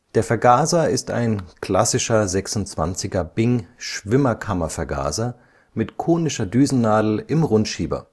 Der Vergaser ist ein klassischer 26er Bing-Schwimmerkammervergaser mit konischer Düsennadel im Rundschieber